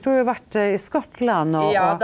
du har jo vært i Skottland og og.